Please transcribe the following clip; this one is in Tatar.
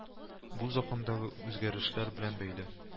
Бу закондагы үзгәрешләр белән бәйле